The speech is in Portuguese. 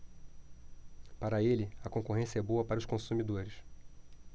para ele a concorrência é boa para os consumidores